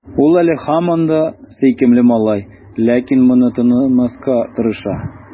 Ул әле һаман да сөйкемле малай, ләкин моны танымаска тырыша.